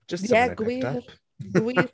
Just something I've picked up ...Ie, gwir, gwir.